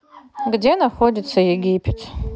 где находится египет